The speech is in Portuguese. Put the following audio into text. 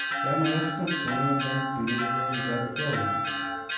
é a maior campanha da empresa realizada até hoje